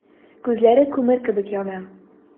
Күзләре күмер кебек яна.